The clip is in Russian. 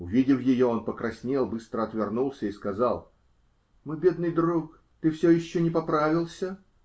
Увидев ее, он покраснел, быстро отвернулся и сказал: -- Мой бедный друг, ты все еще не поправился?